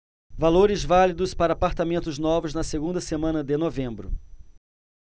valores válidos para apartamentos novos na segunda semana de novembro